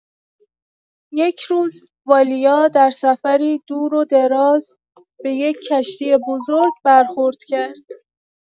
یک روز، والیا در سفری دور و دراز، به یک کشتی بزرگ برخورد کرد.